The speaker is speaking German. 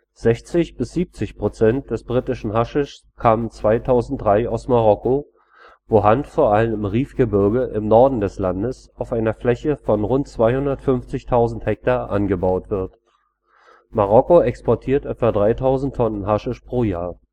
60 – 70 % des britischen Haschischs kam 2003 aus Marokko, wo Hanf vor allem im Rif-Gebirge im Norden des Landes auf einer Fläche von rund 250.000 Hektar angebaut wird. Marokko exportiert etwa 3000 Tonnen Haschisch pro Jahr